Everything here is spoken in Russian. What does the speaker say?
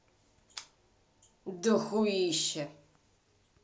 дохуище